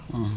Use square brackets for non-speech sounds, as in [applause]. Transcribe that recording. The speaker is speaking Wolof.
[hesitation] [hesitation]